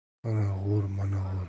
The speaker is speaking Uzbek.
ana go'r mana